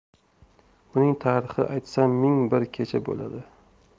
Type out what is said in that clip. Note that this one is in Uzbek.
buning tarixini aytsam ming bir kecha bo'ladi